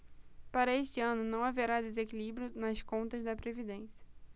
para este ano não haverá desequilíbrio nas contas da previdência